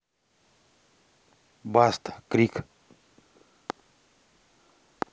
баста крик